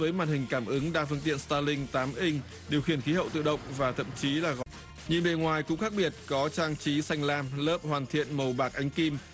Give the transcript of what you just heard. với màn hình cảm ứng đa phương tiện sờ ta ling tám inh điều khiển khí hậu tự động và thậm chí là nhìn bề ngoài cũng khác biệt có trang trí xanh lam lớp hoàn thiện màu bạc ánh kim